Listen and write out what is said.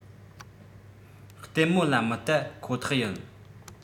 ལྟན མོ ལ མི ལྟ ཁོ ཐག ཡིན